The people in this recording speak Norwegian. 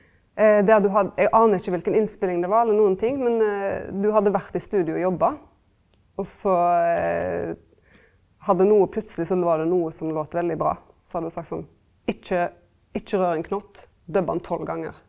der du eg aner ikkje kva innspeling det var eller nokon ting men du hadde vore i studio og jobba, og så hadde noko plutseleg så var det noko som lét veldig bra, så hadde du sagt sånn, ikkje ikkje rør ein knott, dubb han tolv gongar!